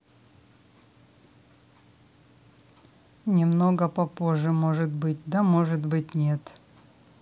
немного попозже может быть да может быть нет